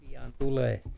pian tulee